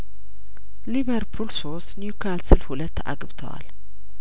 ሊቨርፑል ሶስት ኒውካልስል ሁለት አግብተዋል